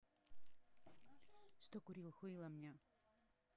что курил хуило мне